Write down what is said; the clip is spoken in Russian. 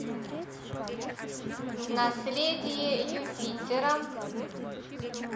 наследие юпитера